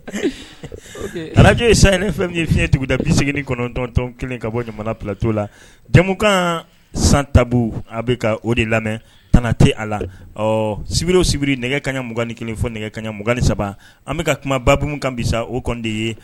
Araje san ye ne fɛn ye fiɲɛyɛntigi da bi segin kɔnɔntɔntɔn kelen ka bɔ jamana plato la jamukan santa a o de lamɛn t tɛ a la sibiriw sibiri nɛgɛ kaɲa 2ugan- nɛgɛɲaugan saba an bɛ ka kumababugu kan bi o ye